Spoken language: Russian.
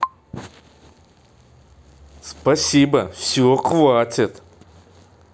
спасибо все хватит